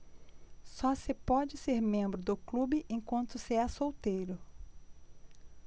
só se pode ser membro do clube enquanto se é solteiro